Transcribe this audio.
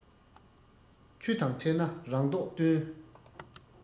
ཆུ དང ཕྲད ན རང མདོག སྟོན